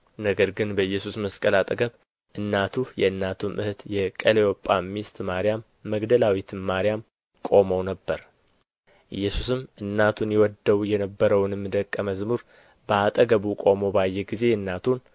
ነገር ግን በኢየሱስ መስቀል አጠገብ እናቱ የእናቱም እኅት የቀለዮጳም ሚስት ማርያም መግደላዊትም ማርያም ቆመው ነበር ኢየሱስም እናቱን ይወደው የነበረውንም ደቀ መዝሙር በአጠገቡ ቆሞ ባየ ጊዜ እናቱን